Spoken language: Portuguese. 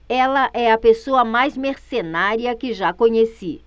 ela é a pessoa mais mercenária que já conheci